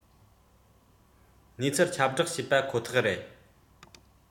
གནས ཚུལ ཁྱབ བསྒྲགས བྱས པ ཁོ ཐག རེད